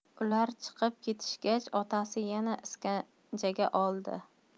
ular chiqib ketishgach otasi yana iskanjaga oldi